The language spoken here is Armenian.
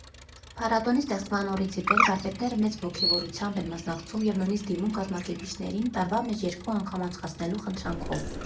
Փառատոնի ստեղծման օրից ի վեր վարպետները մեծ ոգևորությամբ են մասնակցում և նույնիսկ դիմում կազմակերպիչներին՝ տարվա մեջ երկու անգամ անցկացնելու խնդրանքով։